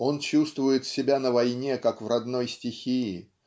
он чувствует себя на войне как в родной стихии